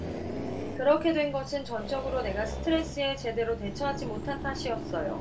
그렇게 된 것은 전적으로 내가 스트레스에 제대로 대처하지 못한 탓이었어요